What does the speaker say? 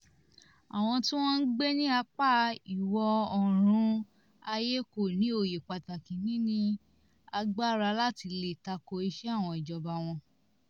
"Àwọn tí wọ́n ń gbé ní apá ìwọ̀-oòrùn ayé kò ní òye pàtàkì níní agbára láti lè tako ìṣe àwọn ìjọba wọn.